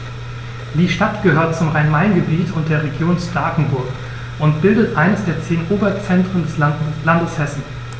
Die Stadt gehört zum Rhein-Main-Gebiet und der Region Starkenburg und bildet eines der zehn Oberzentren des Landes Hessen.